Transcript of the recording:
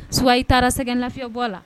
Su i taara sɛgɛ lafiyabɔ la